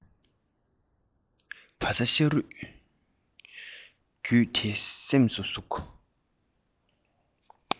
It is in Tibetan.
བ སྤུ དང ཤ རུས བརྒྱུད དེ སེམས སུ ཟུག